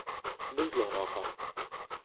Бозлар ага.